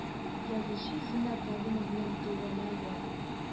Язучы зиннәт галимовның тууына ел